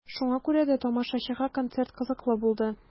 Шуңа күрә дә тамашачыга концерт кызыклы булды.